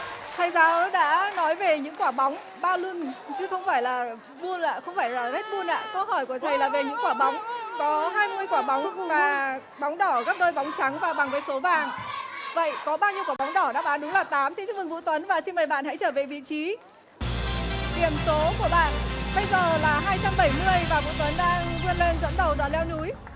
thầy giáo đã nói về những quả bóng bao lưn chứ không phải là bun ạ không phải là rét bun ạ câu hỏi của thầy là về những quả bóng có hai mươi quả bóng và bóng đỏ gấp đôi bóng trắng và bằng với số vàng vậy có bao nhiêu quả bóng đỏ đáp án đúng là tám xin chúc mừng vũ tuấn và xin mời bạn hãy trở về vị trí điểm số của bạn bây giờ là hai trăm bảy mươi và vũ tuấn đang vươn lên dẫn đầu đoàn leo núi